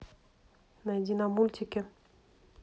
найди нам мультики